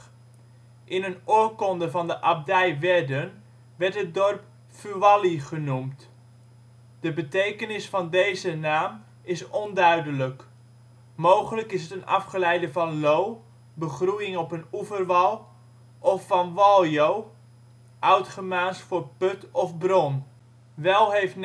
In een oorkonde van de Abdij Werden werd het dorp Vualli genoemd. De betekenis van deze naam is onduidelijk. Mogelijk is het een afgeleide van lo (begroeiing op een oeverwal) of van waljo (Oudgermaans voor ' put ' of ' bron '). Well heeft